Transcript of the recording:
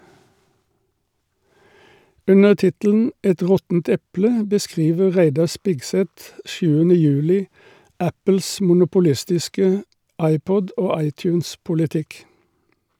Under tittelen "Et råttent eple" beskriver Reidar Spigseth 7. juli Apples monopolistiske iPod- og iTunes-politikk.